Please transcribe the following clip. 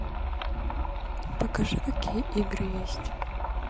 покажи какие игры есть